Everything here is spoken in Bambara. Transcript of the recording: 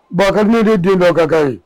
Ba gardien den bɛɛ ka kan ye